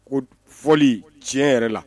Ko d fɔlii tiɲɛ yɛrɛ la